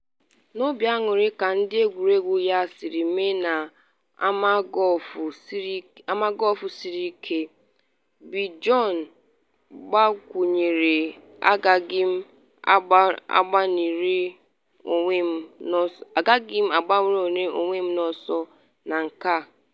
N’obi anụrị ka ndị egwuregwu ya siri mee na ama gọlfụ siri ike, Bjorn gbakwunyere: “Agaghị m agbanarị onwe m n’ọsọ na nke a.